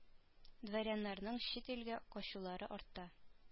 Дворяннарның чит илгә качулары арта